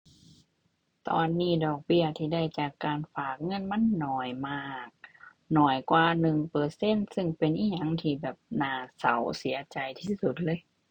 ตอนนี้ดอกเบี้ยที่ได้จากการฝากเงินมันน้อยมาก น้อยกว่าหนึ่งเปอร์เซ็นต์ ซึ่งเป็นอิหยังที่แบบน่าเศร้าเสียใจที่สุดเลย